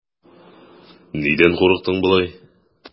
Нидән курыктың болай?